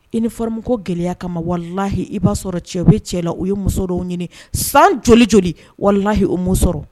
I ni fɔramuso ko gɛlɛya kama walalahi i b'a sɔrɔ cɛ bɛ cɛ la u ye muso dɔw ɲini san joli joli walalahi o muso sɔrɔ